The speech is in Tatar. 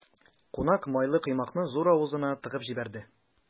Кунак майлы коймакны зур авызына тыгып җибәрде.